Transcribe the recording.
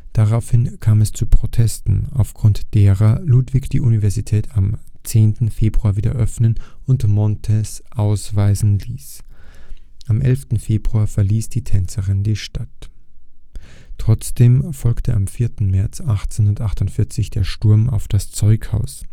Daraufhin kam es zu Protesten, auf Grund derer Ludwig die Universität am 10. Februar wieder öffnen und Montez ausweisen ließ. Am 11. Februar verließ die Tänzerin die Stadt. Trotzdem folgte am 4. März 1848 der Sturm auf das Zeughaus